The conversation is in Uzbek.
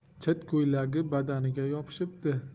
chit ko'ylagi badaniga yopishibdi